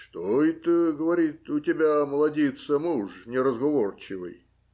- Что это, - говорит, - у тебя, молодица, муж неразговорчивый?